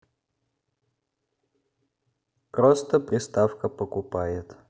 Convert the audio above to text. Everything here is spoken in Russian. просто приставка покупает